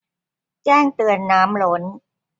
แจ้งเตือนน้ำล้น